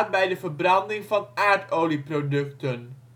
bij de verbranding van aardolieproducten